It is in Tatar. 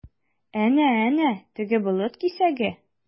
Әнә-әнә, теге болыт кисәге?